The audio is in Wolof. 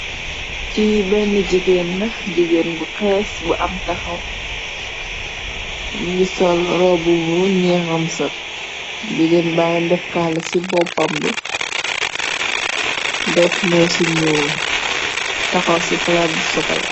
Ci benn jigéen na jigéen bu xees bu am taxaw ngi sol robubru ñeenam sak digéen bàyyi defkaala ci boppam bi def mey ci ñuuwol taxaw ci palaat bu sokola.